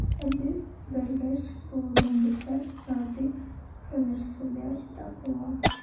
Ә бит белгеч булудан битәр, гади һөнәрчеләр дә була.